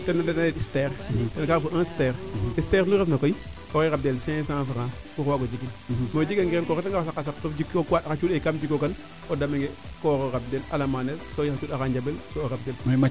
ten taxu de leyan stair egale un stair stair nu refna koy osey rabdel 500 frabcs pour o waago jegin mais o jega ngiran koy o reta nga saqa sartof jikook waanda xa cuund kam jiko kan o dama nge ko waro rabid alamane el soxa cunda xa njaɓel so rabdik